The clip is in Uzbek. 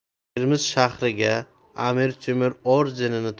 termiz shahriga amir temur ordenini